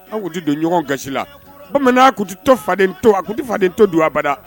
Aw tɛ don ɲɔgɔn gasi la bamanan tun tɛ to faden to a tɛ faden to don abada